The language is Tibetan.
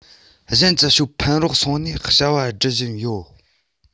གཞན གྱིས ཞོ ཕམ རོགས སོང ནས བྱ བ སྒྲུབ བཞིན ཡོད